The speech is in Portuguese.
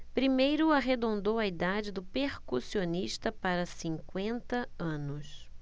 primeiro arredondou a idade do percussionista para cinquenta anos